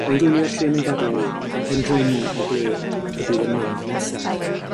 Mae'n gwylio'r trên yn gadael ac yn pendroni i ble y bydd yn mynd nesaf.